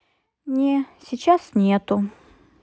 не сейчас нету